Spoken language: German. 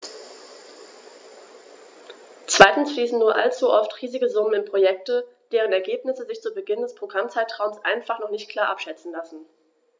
Zweitens fließen nur allzu oft riesige Summen in Projekte, deren Ergebnisse sich zu Beginn des Programmzeitraums einfach noch nicht klar abschätzen lassen.